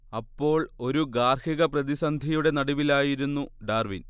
അപ്പോൾ ഒരു ഗാർഹിക പ്രതിസന്ധിയുടെ നടുവിലായിരുന്നു ഡാർവിൻ